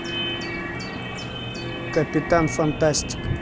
капитан фантастик